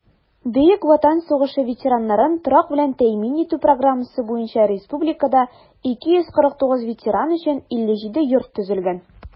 Бөек Ватан сугышы ветераннарын торак белән тәэмин итү программасы буенча республикада 249 ветеран өчен 57 йорт төзелгән.